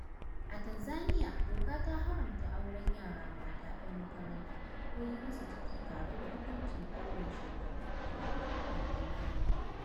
A Tanzaniya doka ta haramta auren yara mata 'yan makaranta ko yi musu ciki tare da hukuncin ɗaurin shekaru talatin a gidan yari.